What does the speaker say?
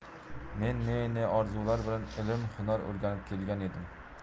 men ne ne orzular bilan ilm hunar o'rganib kelgan edim